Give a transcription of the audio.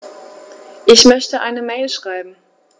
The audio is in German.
Ich möchte eine Mail schreiben.